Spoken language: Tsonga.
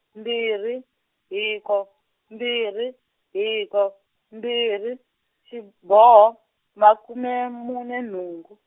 mbirhi, hiko, mbirhi, hiko, mbirhi, xiboho, makume mune nhungu.